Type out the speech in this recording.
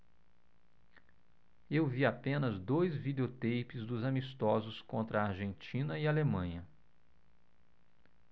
eu vi apenas dois videoteipes dos amistosos contra argentina e alemanha